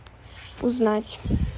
узнать